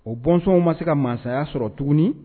O bɔnsɔnw ma se ka mansaya sɔrɔ tuguni